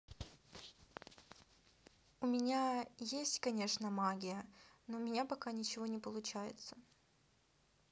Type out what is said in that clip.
у меня есть конечно магия но у меня пока ничего не получается